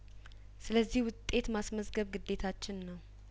ስለዚህ ውጤት ማስመዝገብ ግዴታችን ነው